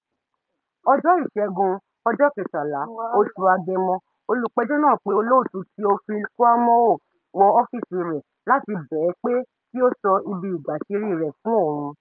Ọjọ́ Ìṣẹ́gun, 13 oṣù Agẹmọ, olùgbẹ́jọ́ náà pe olóòtú Théophile Kouamouo wọ ọ́fíìsì rẹ̀ láti bẹ́ ẹ̀ pé kí ó sọ ibi ìgbàṣírí rẹ̀ fún òun.